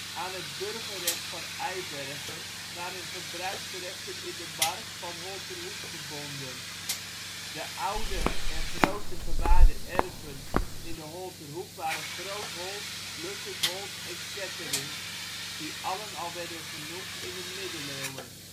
Aan het burgerrecht van Eibergen waren gebruiksrechten in de mark van Holterhoek verbonden. De oude en grote gewaarde erven in de Holterhoek waren Grootholt, Luttikholt en Ketterink, die allen al werden genoemd in de Middeleeuwen